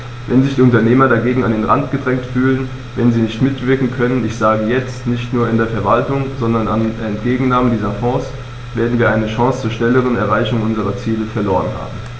Wenn sich die Unternehmer dagegen an den Rand gedrängt fühlen, wenn sie nicht mitwirken können ich sage jetzt, nicht nur an der Verwaltung, sondern an der Entgegennahme dieser Fonds , werden wir eine Chance zur schnelleren Erreichung unserer Ziele verloren haben.